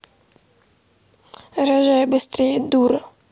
рожай быстрее дура